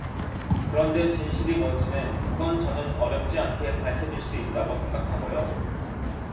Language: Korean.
그런데 진실이 뭔지는 그건 저는 어렵지 않게 밝혀질 수 있다고 생각하고요